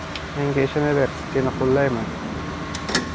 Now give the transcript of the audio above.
menga ishonaver seni qo'llayman